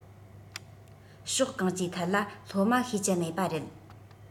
ཕྱོགས གང ཅིའི ཐད ལ སློབ མ ཤེས ཀྱི མེད པ རེད